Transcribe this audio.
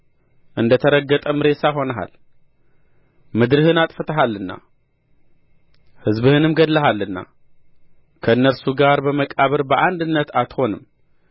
እንደ ተረገጠም ሬሳ ሆነሃል ምድርህን አጥፍተሃልና ሕዝብህንም ገድለሃልና ከእነርሱ ጋር በመቃብር በአንድነት አትሆንም